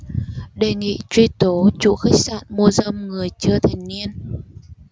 đề nghị truy tố chủ khách sạn mua dâm người chưa thành niên